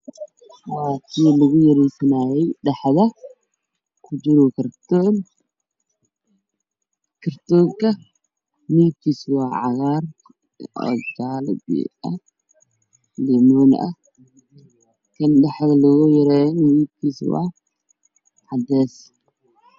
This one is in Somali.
Waa kii lagu dadiifinayay Kujiro kartoon kartoonku midab kiisu waa waa cadees